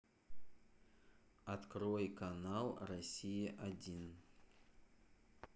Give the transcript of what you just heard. открой канал россия один